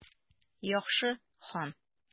Яхшы, хан.